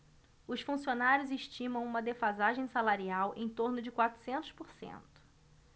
os funcionários estimam uma defasagem salarial em torno de quatrocentos por cento